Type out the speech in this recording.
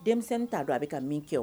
Denmisɛnnin t'a dɔn a be ka min kɛ o